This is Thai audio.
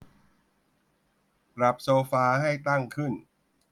ปรับโซฟาให้ตั้งขึ้น